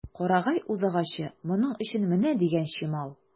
Карагай үзагачы моның өчен менә дигән чимал.